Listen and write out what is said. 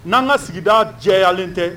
N'an ka sigida jɛyalen tɛ